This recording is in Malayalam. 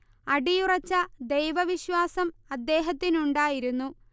അടിയുറച്ച ദൈവവിശ്വാസം അദ്ദേഹത്തിനുണ്ടായിരുന്നു